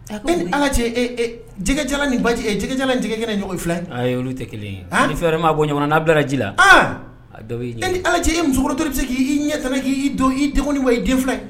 A ko ni ala cɛ jɛgɛla ni ba jɛgɛjala ni jɛgɛkɛ ni ɲɔgɔn filɛ olu tɛ kelen ye fɛ m'a bɔ ɲɔgɔnmana n'a bila ji la a dɔ e ni ala cɛ i musotɔ tɛ k'i i ɲɛ k'i don i dɔgɔnini wa i den filɛ